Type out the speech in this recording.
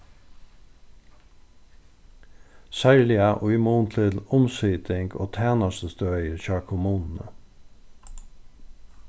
serliga í mun til umsiting og tænastustøðið hjá kommununi